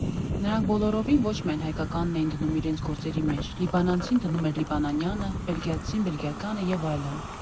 Նրանք բոլորովին ոչ միայն հայկականն էին դնում իրենց գործերի մեջ. լիբանանցին դնում էր լիբանանյանը, բելգիացին՝ բելգիականը, և այլն։